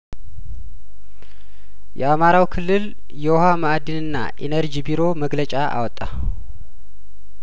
የአማራው ክልል የውሀ ማእድንና ኢኒርጂ ቢሮ መግለጫ አወጣ